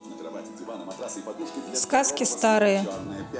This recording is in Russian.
сказки старые